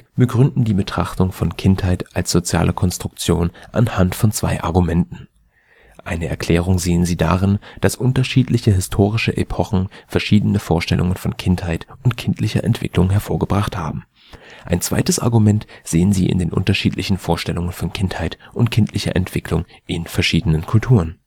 begründen die Betrachtung von Kindheit als soziale Konstruktion anhand von zwei Argumenten. Eine Erklärung sehen sie darin, dass unterschiedliche historische Epochen verschiedene Vorstellungen von Kindheit und kindlicher Entwicklung hervorgebracht haben. Ein zweites Argument sehen sie in den unterschiedlichen Vorstellungen von Kindheit und kindlicher Entwicklung in verschiedenen Kulturen